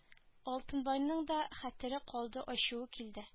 Алтынбайның да хәтере калды ачуы килде